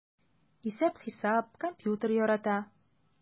Исәп-хисап, компьютер ярата...